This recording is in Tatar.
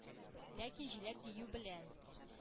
Ләкин “җиләк” дию белән,